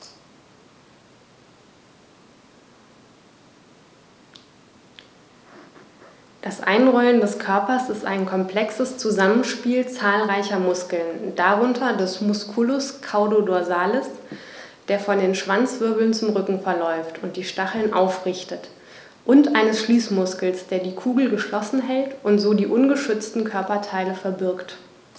Das Einrollen des Körpers ist ein komplexes Zusammenspiel zahlreicher Muskeln, darunter des Musculus caudo-dorsalis, der von den Schwanzwirbeln zum Rücken verläuft und die Stacheln aufrichtet, und eines Schließmuskels, der die Kugel geschlossen hält und so die ungeschützten Körperteile verbirgt.